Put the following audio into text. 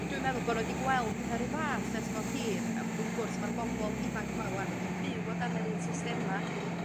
A dwi'n meddwl bo' nw 'di gweld petha 'run fath ers mor hir ych wrth gwrs ma'r bobol ifanc ma' 'wan wedi byw o dan yr un systema